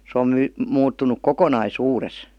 se on - muuttunut kokonaisuudessa